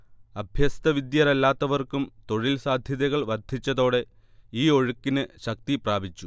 അഭ്യസ്തവിദ്യരല്ലാത്തവർക്കും തൊഴിൽ സാധ്യതകൾ വർദ്ധിച്ചതോടെ ഈ ഒഴുക്കിന് ശക്തി പ്രാപിച്ചു